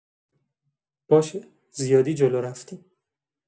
باشه، زیادی جلو رفتم.